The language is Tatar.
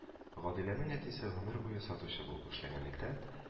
Гадиләнең әтисе гомер буе сатучы булып эшләгәнлектән